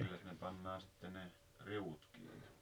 milläs ne pannaan sitten ne riu'ut kiini